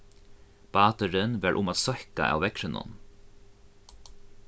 báturin var um at søkka av veðrinum